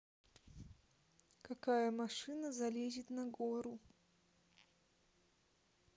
какая машина залезет на гору